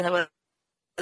yn awyr-.